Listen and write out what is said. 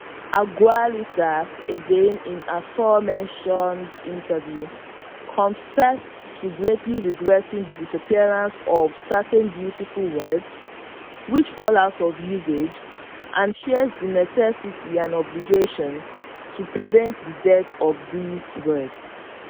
Agualusa, again in the afore-mentioned interview, confesses to “greatly regretting the disappearance of certain beautiful words which fall out of usage” and shares the necessity and “obligation to prevent the death of these words”.